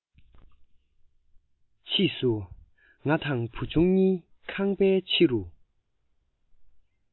ཕྱིས སུ ང དང བུ ཆུང གཉིས ཁང པའི ཕྱི རུ